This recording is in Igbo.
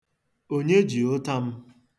Onye ji ụta m?